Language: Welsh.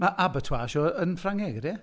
Ma' abattoir siŵr o fod yn Ffrangeg ydy e?